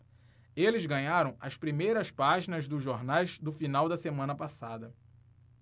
eles ganharam as primeiras páginas dos jornais do final da semana passada